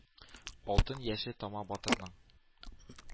Алтын яше тама батырның.